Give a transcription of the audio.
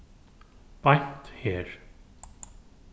beint her